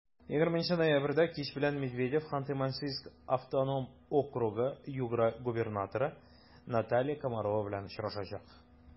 20 ноябрьдә кич белән медведев ханты-мансийск автоном округы-югра губернаторы наталья комарова белән очрашачак.